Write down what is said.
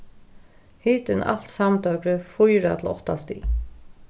hitin alt samdøgrið fýra til átta stig